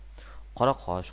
qora qosh